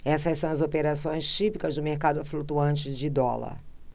essas são as operações típicas do mercado flutuante de dólar